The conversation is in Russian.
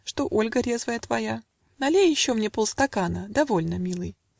Что Ольга резвая твоя?" - Налей еще мне полстакана. Довольно, милый.